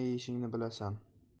nima yeyishingni bilasan